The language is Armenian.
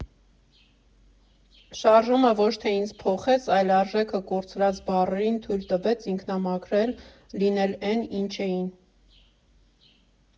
Շարժումը ոչ թե ինձ փոխեց, այլ արժեքը կորցրած բառերին թույլ տվեց ինքնամաքրվել, լինել էն, ինչ էին։